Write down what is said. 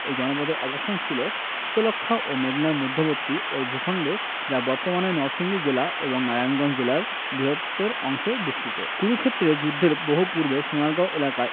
এই জনপদের অবস্থান ছিল শীতলক্ষ্যা ও মেঘনার মধ্যবর্তী ওই ভূখন্ডে যা বর্তমানে নরসিংদী জেলা এবং নারায়ণগঞ্জ জেলার বৃহত্তর অংশে বিস্তৃত কুরুক্ষেত্রের যুদ্ধের বহু পূর্বে সোনারগাঁও এলাকায়